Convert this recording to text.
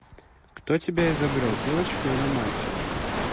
кто тебя изобрел девочка или мальчик